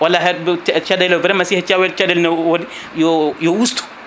walla caɗ caɗele vraiment si tawi caɗele ne wodi yo yo usto